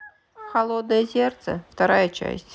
холодное сердце вторая часть